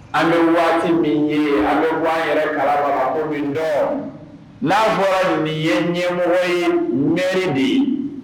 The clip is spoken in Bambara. An bɛ waati min ye an bɛ bɔ an yɛrɛ kala baba ko min dɔ n'a fɔra nin ye ɲɛmɔgɔ ye m de ye